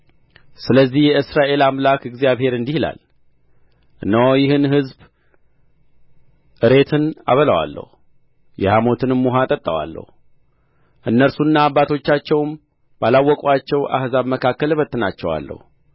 ስለዚህ የእስራኤል አምላክ እግዚአብሔር እንዲህ ይላል እነሆ ይህን ሕዝብ እሬትን አበላዋለሁ የሐሞትንም ውኃ አጠጣዋለሁ እነርሱና አባቶቻቸውም ባላወቁአቸው አሕዛብ መካከል እበትናቸዋለሁ